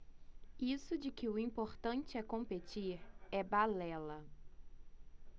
isso de que o importante é competir é balela